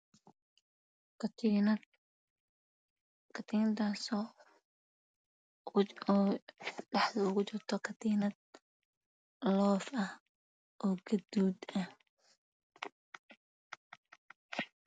Katiinad katiinadaasoo oo guduud ah